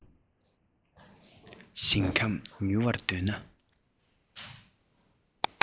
ཞིང ཁམས ཉུལ བར འདོད ན